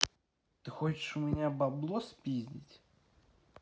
ты хочешь у меня баблос пиздить